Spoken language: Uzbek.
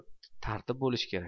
tartib bo'lishi kerak